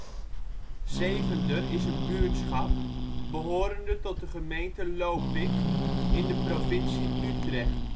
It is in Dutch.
buurtschap behorende tot de gemeente Lopik in de provincie Utrecht